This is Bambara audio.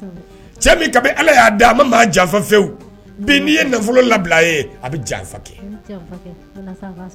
Cɛ ala'a di a ma janfa fɛwu n'i ye nafolo labila a bɛ janfa kɛ